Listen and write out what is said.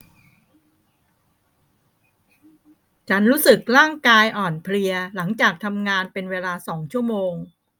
ฉันรู้สึกร่างกายอ่อนเพลียหลังจากทำงานหลังเป็นเวลาสองชั่วโมง